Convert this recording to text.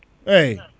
eyyi